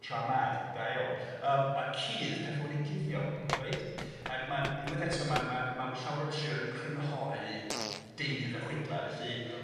Tra mad da iawn yym a cudd petha wedi guddio. Hmm. Reit ac ma'n unwaith eto ma' ma' ma' llawer o trioedd yn crynhoi deunydd y chwedla felly... Ia.